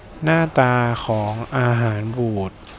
หน้าตาของอาหารบูด